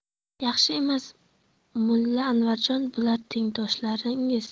yaxshi emas mulla anvarjon bular tengdoshlaringiz